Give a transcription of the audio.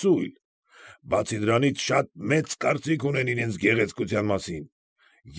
Ծույլ։ Բացի դրանից, շատ մեծ կարծիք ունեն իրենց գեղեցկության մասին։